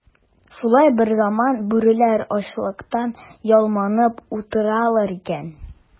Шулай берзаман бүреләр ачлыктан ялманып утыралар икән.